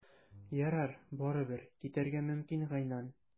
Ярар, барыбер, китәргә мөмкин, Гайнан.